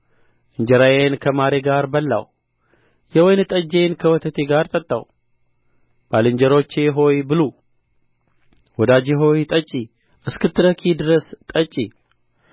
እንጀራዬን ከማሬ ጋር በላሁ የወይን ጠጄን ከወተቴ ጋር ጠጣሁ ባልንጀሮቼ ሆይ ብሉ ወዳጄ ሆይ ጠጪ እስክትረኪ ድረስ ጠጪ